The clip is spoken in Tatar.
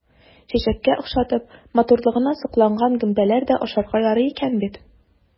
Чәчәккә охшатып, матурлыгына сокланган гөмбәләр дә ашарга ярый икән бит!